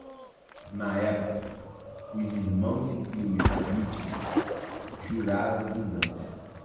na época os irmãos e primos da vítima juraram vingança